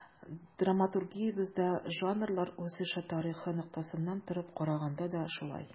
Драматургиябездә жанрлар үсеше тарихы ноктасынан торып караганда да шулай.